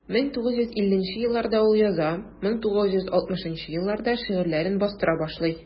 1950 елларда ул яза, 1960 елларда шигырьләрен бастыра башлый.